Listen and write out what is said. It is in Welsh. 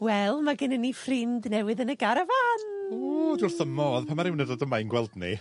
Wel ma' ginnyn ni ffrind newydd yn y garafan. Ww dwi wrth 'ym modd pan ma' rywun yn dod yma i'n gweld ni.